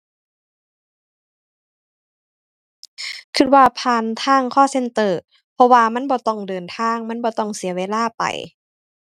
คิดว่าผ่านทาง call center เพราะว่ามันบ่ต้องเดินทาง มันบ่ต้องเสียเวลาไป